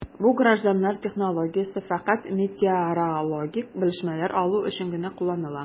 Бу гражданнар технологиясе фәкать метеорологик белешмәләр алу өчен генә кулланыла...